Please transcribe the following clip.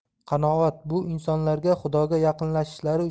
qanoat bu insonlarga xudoga yaqinlashishlari